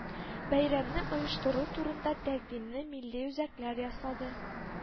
Бәйрәмне оештыру турында тәкъдимне милли үзәкләр ясады